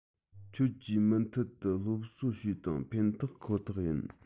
ཁྱོད ཀྱིས མུ མཐུད དུ སློབ གསོ བྱོས དང ཕན ཐོགས ཁོ ཐག ཡིན